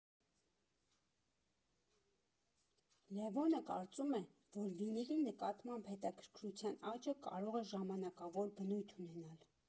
Լևոնը կարծում է, որ վինիլի նկատմամբ հետաքրքրության աճը կարող է ժամանակավոր բնույթ ունենալ.